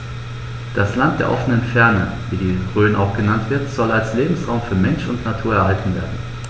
Das „Land der offenen Fernen“, wie die Rhön auch genannt wird, soll als Lebensraum für Mensch und Natur erhalten werden.